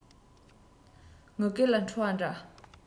ངུ སྐད ལ འཁྲུལ བ འདྲ